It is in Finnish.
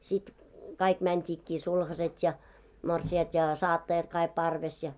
sitten kaikki mentiinkin sulhaset ja morsiamet ja saattajat kaikki parvessa ja